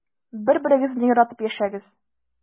Бер-берегезне яратып яшәгез.